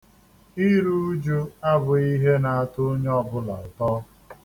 Iru ụjụ abụghị ihe na-atọ onye ọbụla ụtọ.